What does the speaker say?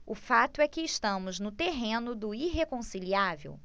o fato é que estamos no terreno do irreconciliável